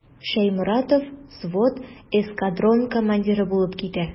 Шәйморатов взвод, эскадрон командиры булып китә.